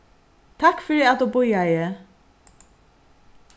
takk fyri at tú bíðaði